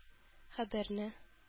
Хәбәрне